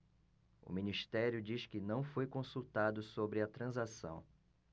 o ministério diz que não foi consultado sobre a transação